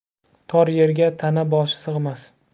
tor yerga tana boshi sig'mas